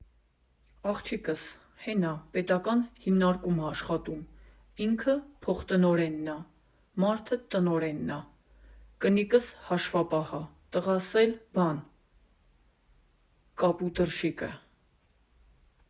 Աղջիկս հեն ա պետական հիմնարկում ա աշխատում, ինքը փոխտնօրենն ա, մարդը տնօրենն ա, կնիկս հաշվապահ ա, տղաս էլ բան՝ կապուտռշիկը։